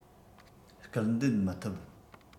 སྐུལ འདེད མི ཐུབ